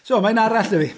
So, mae'n arall 'da fi.